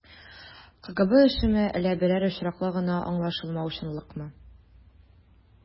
КГБ эшеме, әллә берәр очраклы гына аңлашылмаучанлыкмы?